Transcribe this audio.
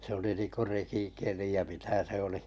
se oli niin kuin rekikeli ja mitä se oli